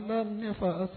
Nba ne fa